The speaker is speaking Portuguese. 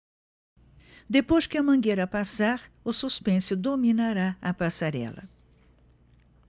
depois que a mangueira passar o suspense dominará a passarela